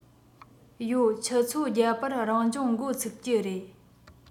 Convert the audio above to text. ཡོད ཆུ ཚོད བརྒྱད པར རང སྦྱོང འགོ ཚུགས ཀྱི རེད